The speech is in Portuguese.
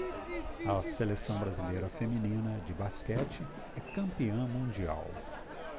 a seleção brasileira feminina de basquete é campeã mundial